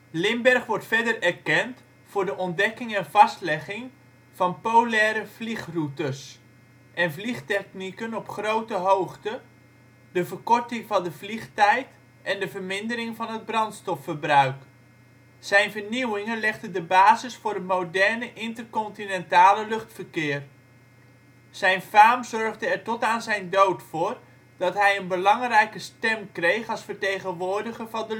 Lindbergh wordt verder erkend voor de ontdekking en vastlegging van polaire vliegroutes, en vliegtechnieken op grote hoogte, de verkorting van de vliegtijd en de vermindering van het brandstofverbruik. Zijn vernieuwingen legden de basis voor het moderne intercontinentale luchtverkeer. Zijn faam zorgde er tot aan zijn dood voor dat hij een belangrijke stem kreeg als vertegenwoordiger van de